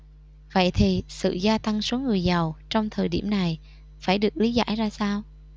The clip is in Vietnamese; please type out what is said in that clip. vậy thì sự gia tăng số người giàu trong thời điểm này phải được lý giải ra sao